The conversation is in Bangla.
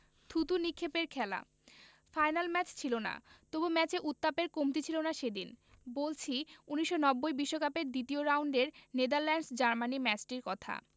থুতু নিক্ষেপের খেলা ফাইনাল ম্যাচ ছিল না তবু ম্যাচে উত্তাপের কমতি ছিল না সেদিন বলছি ১৯৯০ বিশ্বকাপের দ্বিতীয় রাউন্ডের নেদারল্যান্ডস জার্মানি ম্যাচটির কথা